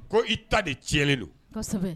Ko i ta de cɛlen don